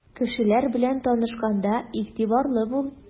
Кешеләр белән танышканда игътибарлы бул.